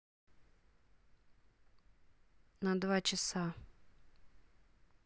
на два часа